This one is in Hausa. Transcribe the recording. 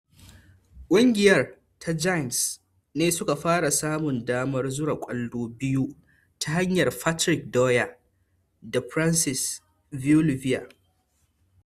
Kungiyar The Giants ne suka fara samun damar zura kwallo biyu ta hanyar Patrick Dwyer da Francis Beauvillier.